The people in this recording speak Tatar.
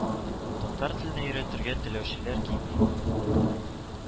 Татар теленә өйрәтергә теләүчеләр кими